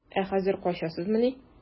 Ә хәзер качасызмыни?